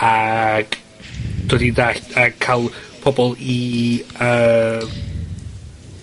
ag dod i ddallt, a ca'l pobol i yy,